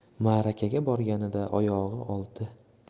marakaga borganida oyog'i olti